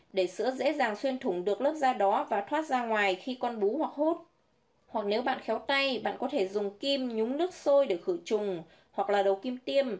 để sữa dễ dàng xuyên thủng được lớp da đó và thoát ra ngoài khi con bú hoặc hút hoặc nếu bạn khéo tay bạn có thể dùng kim nhúng nước sôi để khử trùng hoặc là đầu kim tiêm